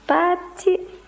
pati